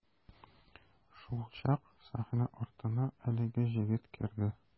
Шулчак сәхнә артына әлеге җегет керде.